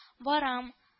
Барам